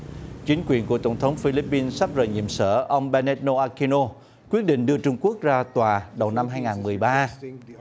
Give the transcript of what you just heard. chính quyền của tổng thống phi líp pin sắp rời nhiệm sở ông be ne nô a ki nô quyết định đưa trung quốc ra tòa đầu năm hai ngàn mười ba